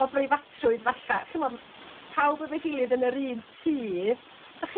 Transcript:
o breifatrwydd 'falla' chi'mo pawb efo'i gilydd yn yr un tŷ 'da chi;n